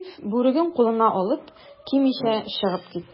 Кәшиф, бүреген кулына алып, кимичә чыгып китте.